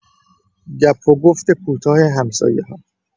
گپ و گفت کوتاه همسایه‌ها